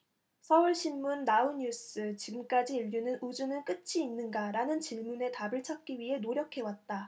서울신문 나우뉴스 지금까지 인류는우주는 끝이 있는가 라는 질문의 답을 찾기 위해 노력해왔다